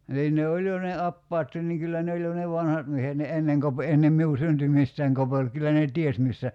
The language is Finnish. niin ne oli jo ne apajatkin niin kyllä ne oli jo ne vanhat miehet niin ennen - ennen minun syntymistäni kopeli kyllä ne tiesi missä